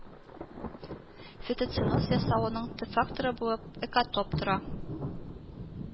Фитоценоз ясалуның төп факторы булып экотоп тора